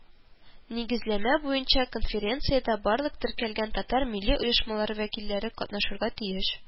Нигезләмә буенча конференциядә барлык теркәлгән татар милли оешмалары вәкилләре катнашырга тиеш